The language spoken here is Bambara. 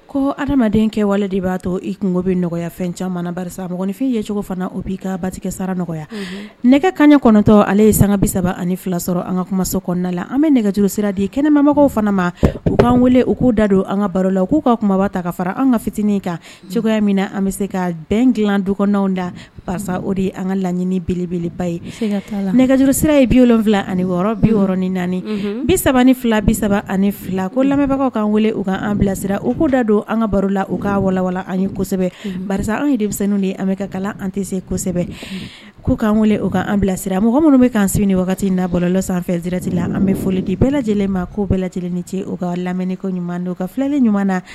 Ko adamadenkɛwale de b'a to i bɛ nɔgɔyaya fɛn caman mɔgɔninfin'i ye cogo fana o b'i ka ba sara nɔgɔya nɛgɛ kaɲa kɔnɔntɔn ale ye san bi saba ani fila sɔrɔ an ka kumaso kɔnɔna la an bɛ nɛgɛjuru sira de kɛnɛmabagaw fana ma u'an wele u k'u da don an ka baro la k'u ka kumaba ta ka fara an ka fitinin kan min na an bɛ se ka bɛn dilan dukɔnɔw da karisa o de an ka laɲini belebeleba ye nɛgɛjurusira ye bi wolonwula ani biɔrɔn ni naani bisa ni fila bisa ani fila ko lamɛnbagaw kan wele u kaan bilasira u ko da don an ka barola u ka wawa an kosɛbɛ karisa anw denmisɛnninw de ye an bɛ ka kalan an tɛ se kosɛbɛ k' k'an u kaan bilasira mɔgɔ minnu bɛ kan bisimila ni wagati nakɔlɔ sansirati la an bɛ foli di bɛɛ lajɛlen ma ko bɛɛ lajɛlen ni ce u ka lamɛniniko ɲuman don ka filɛle ɲuman na